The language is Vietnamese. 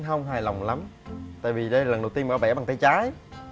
không hài lòng lắm tại vì đây là lần đầu tiên bả vẽ bằng tay trái